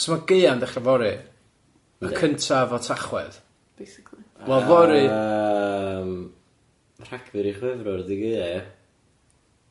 So ma' gaea yn dechra fory... Yndi. ...y cyntaf o Tachwedd. Basically. Wel fory... Yym Rhagfyr i Chwefror 'di gaea ia?